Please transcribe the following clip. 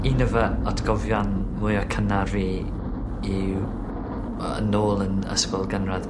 Un o fy atgofion mwya cynar fi yw yn ôl yn ysgol gynradd...